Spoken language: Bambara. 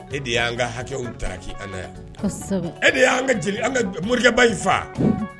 E de y'an ka hakɛw taara kki ala yan e de y'an ka an ka morikɛba y' faa